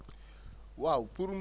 waaw pour